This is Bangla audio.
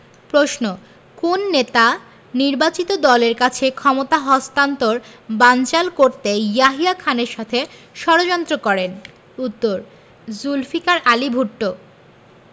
প্রশ্ন কোন নেতা নির্বাচিত দলের কাছে ক্ষমতা হস্তান্তর বানচাল করতে ইয়াহিয়া খানের সাথে ষড়যন্ত্র করেন উত্তরঃ জুলফিকার আলী ভুট্ট